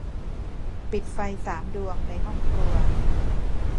ปิดไฟสามดวงในห้องครัว